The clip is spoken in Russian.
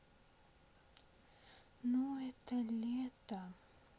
ну это лето